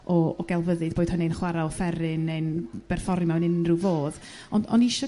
o o gelfyddyd boed hynny'n chware offeryn neu'n berfformio'n unrhyw fodd ond oni isio